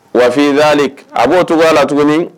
Wafin a b'o tɔgɔ la tuguni